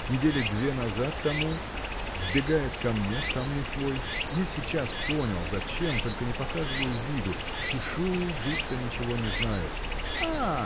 Недели две назад тому вбегает ко мне сам не свой я сейчас понял зачем только не показываю виду пишу будто ничего не знаю. А!